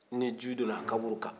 ni ji donna a kaburu kan